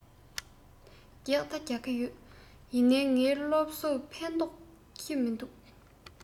རྒྱག དང རྒྱག གི ཡོད ཡིན ནའི ངའི སློབ གསོས ཕན ཐོགས ཀྱི མི འདུག